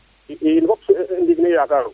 in fop ndiig ne i yaaraku